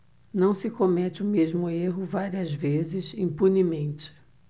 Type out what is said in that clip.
não se comete o mesmo erro várias vezes impunemente